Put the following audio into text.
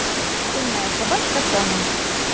умная собачка соня